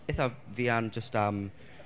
eitha fuan jyst am...